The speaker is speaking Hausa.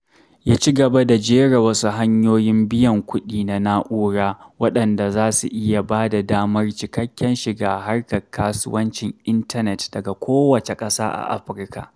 Ya ci gaba da jera wasu hanyoyin biyan kuɗi na na'ura waɗanda za su iya ba da damar cikakken shiga harkar kasuwancin intanet daga kowace ƙasa a Afirka.